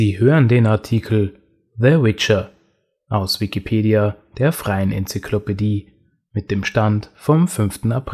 hören den Artikel The Witcher, aus Wikipedia, der freien Enzyklopädie. Mit dem Stand vom Der